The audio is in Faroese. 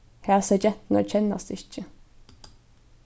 hasar genturnar kennast ikki